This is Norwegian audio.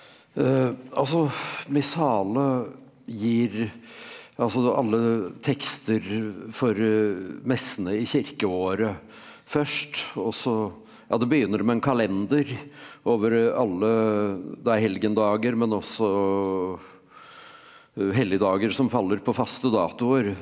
altså Missale gir altså alle tekster for messene i kirkeåret først og så ja det begynner med en kalender over alle det er helgendager men også helligdager som faller på faste datoer.